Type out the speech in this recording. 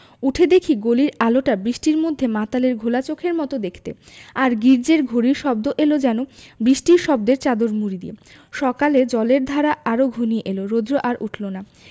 উঠে দেখি গলির আলোটা বৃষ্টির মধ্যে মাতালের ঘোলা চোখের মত দেখতে আর গির্জ্জের ঘড়ির শব্দ এল যেন বৃষ্টির শব্দের চাদর মুড়ি দিয়ে সকালে জলের ধারা আরো ঘনিয়ে এল রোদ্র আর উঠল না